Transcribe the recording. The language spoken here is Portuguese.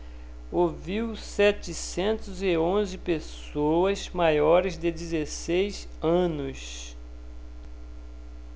ouviu setecentos e onze pessoas maiores de dezesseis anos